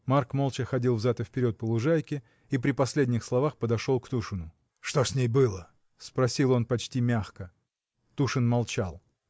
Марк молча ходил взад и вперед по лужайке и, при последних словах, подошел к Тушину. — Что с ней было? — спросил он почти мягко. Тушин молчал.